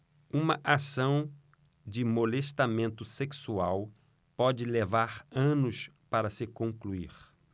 uma ação de molestamento sexual pode levar anos para se concluir